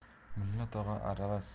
mulla tog'a arava